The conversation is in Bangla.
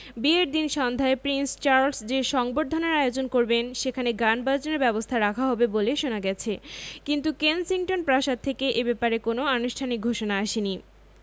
বিয়ের দিন সন্ধ্যায় প্রিন্স চার্লস যে সংবর্ধনার আয়োজন করবেন সেখানে গানবাজনার ব্যবস্থা রাখা হবে বলে শোনা গেছে কিন্তু কেনসিংটন প্রাসাদ থেকে এ ব্যাপারে কোনো আনুষ্ঠানিক ঘোষণা আসেনি